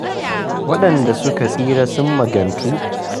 Waɗanda suka tsira sun magantu